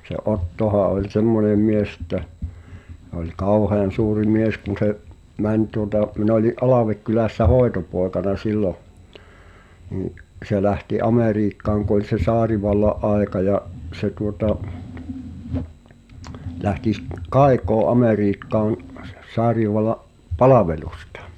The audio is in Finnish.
se Ottohan oli semmoinen mies että se oli kauhean suuri mies kun se meni tuota minä olin Alvekylässä hoitopoikana silloin niin se lähti Amerikkaan kun oli se tsaarivallan aika ja se tuota lähti - kaikoon Amerikkaan -- tsaarivallan palvelusta